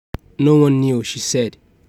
"No-one knew," she said.